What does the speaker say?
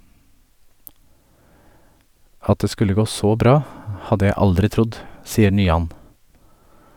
At det skulle gå så bra, hadde jeg aldri trodd, sier Nyan.